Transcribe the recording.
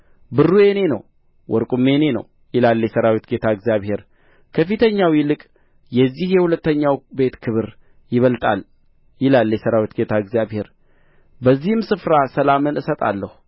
ብሩ የእኔ ነው ወርቁም የእኔ ነው ይላል የሠራዊት ጌታ እግዚአብሔር ከፊተኛው ይልቅ የዚህ የሁለተኛው ቤት ክብር ይበልጣል